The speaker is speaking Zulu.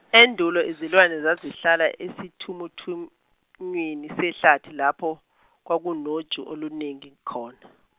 endulo izilwane zazihlala esithumuthunywini sehlathi lapho, kwakunoju, oluningi khona.